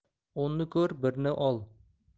o'nni ko'r birni ol